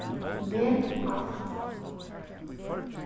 vel alt